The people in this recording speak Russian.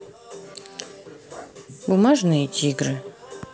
бумажные тигры